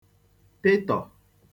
pịtọ̀